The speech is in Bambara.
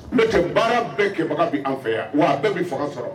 Ne tɛ baara bɛɛ kɛbaga bɛ an fɛ yan wa bɛɛ bɛ faga sɔrɔ